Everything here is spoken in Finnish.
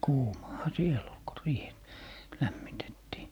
kuumahan siellä oli kun riihi lämmitettiin